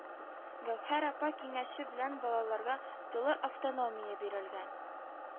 Гәүһәр апа киңәше белән балаларга «тулы автономия» бирелгән